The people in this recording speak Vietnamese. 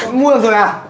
mua được rồi à